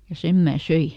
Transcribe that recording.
ja sen minä söin